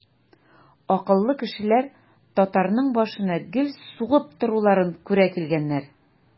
Акыллы кешеләр татарның башына гел сугып торуларын күрә килгәннәр.